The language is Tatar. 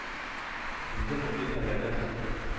Инде мондый хәлләрдән соң